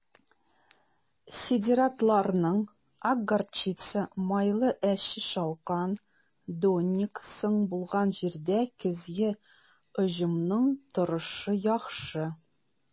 Сидератлардан (ак горчица, майлы әче шалкан, донник) соң булган җирдә көзге уҗымның торышы яхшы.